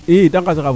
i de ngas ra fa ten \